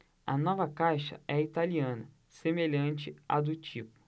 a nova caixa é italiana semelhante à do tipo